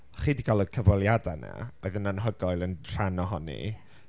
Chi 'di cael y cyfweliadau 'na, oedd yn anhygoel, yn rhan ohoni.